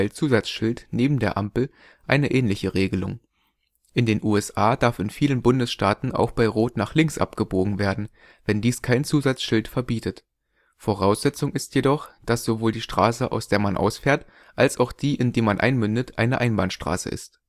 Grünpfeil-Zusatzschild neben der Ampel eine ähnliche Regelung. In den USA darf in vielen Bundesstaaten auch bei Rot nach links abgebogen werden, wenn dies kein Zusatzschild verbietet. Voraussetzung ist jedoch, dass sowohl die Straße, aus der man ausfährt, als auch die, in die man einmündet, eine Einbahnstraße ist